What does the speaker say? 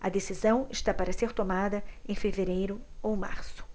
a decisão está para ser tomada em fevereiro ou março